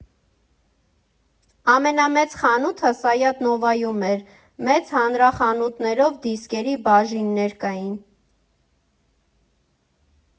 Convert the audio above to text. Ամենամեծ խանութը Սայաթ֊Նովայում էր, մեծ հանրախանութներով դիսկերի բաժիններ կային։